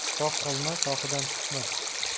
sog' olma shoxidan tushmas